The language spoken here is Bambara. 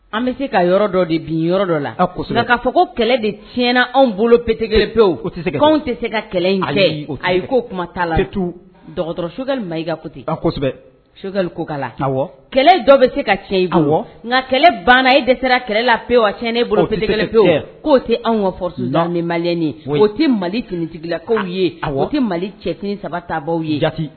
An bɛ se ka yɔrɔ dɔ de bin yɔrɔ dɔ la' fɔ ko kɛlɛ de tina anw bolo pete pewu tɛ se ka kɛlɛ a ko kuma t'a latu dɔgɔtɔrɔ ma kate kosɛbɛ ko'a la kɛlɛ dɔ bɛ se ka tiɲɛ nka kɛlɛ banna e dɛsɛ sera kɛlɛla peye ti bolokɛ pewu k'o tɛ anw ka fɔ ni ma oo tɛ mali ttigilakaw ye o tɛ mali cɛsin saba tabaa ye jate